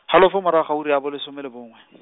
halofo morago ga ura ya bolesome le bongwe .